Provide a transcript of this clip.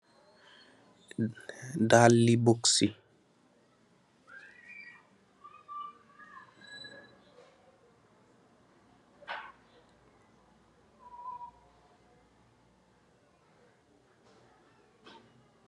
Dalli bousski la